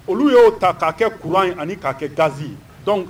Olu y'o ta k'a kɛ kurauran in ani k kaa kɛ gaz